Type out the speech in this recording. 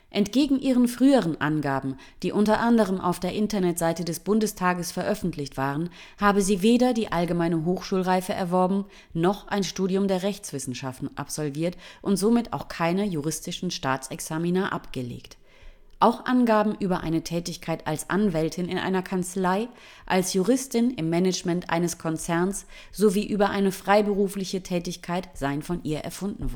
Entgegen ihren früheren Angaben, die unter anderem auf der Internetseite des Bundestages veröffentlicht waren, habe sie weder die allgemeine Hochschulreife erworben noch ein Studium der Rechtswissenschaften absolviert und somit auch keine juristischen Staatsexamina abgelegt. Auch Angaben über eine Tätigkeit als Anwältin in einer Kanzlei, als Juristin im Management eines Konzerns sowie über eine freiberufliche Tätigkeit seien von ihr erfunden